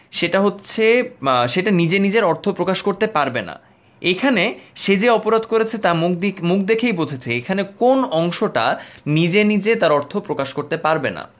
সেটা হচ্ছে সেটা নিজে নিজে অর্থ প্রকাশ করতে পারবে না এখানে সে যে অপরাধ করেছে তার মুখ দেখেই বুঝেছি এখানে কোন অংশটা নিজে নিজে তার অর্থ প্রকাশ করতে পারবে না